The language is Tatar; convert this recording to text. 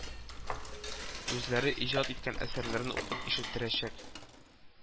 Үзләре иҗат иткән әсәрләрне укып ишеттерәчәк